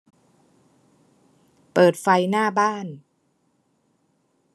เปิดไฟหน้าบ้าน